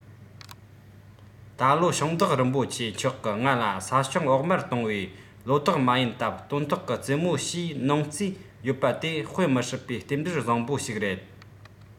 ད ལོ ཞིང བདག རིན པོ ཆེ མཆོག གི ང ལ ས ཞིང བོགས མར བཏང བའི ལོ ཏོག མ ཡིན སྟབས སྟོན ཐོག གི ཙེ མོ བཞེས གནང ཙིས ཡོད པ དེ དཔེ མི སྲིད པའི རྟེན འབྲེལ བཟང པོ ཞིག རེད